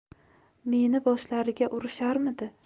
men boshlariga urisharmidi